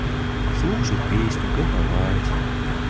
слушать песню кайфовать